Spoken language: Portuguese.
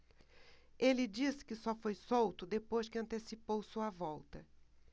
ele disse que só foi solto depois que antecipou sua volta